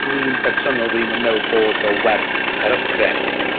dwi'n bersonol ddim yn me'wl bod o werth yr upgrade.